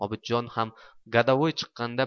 obidjon ham godovoy chiqqanida